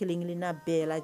Kelen kelen' bɛɛ la